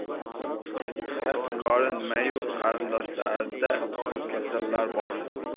kasb kori nimayu qarindoshlarida kasallar bor